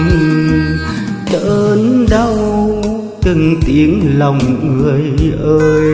đớn đau từng tiếng lòng người ơi